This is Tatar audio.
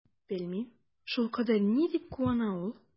Белмим, шулкадәр ни дип куана ул?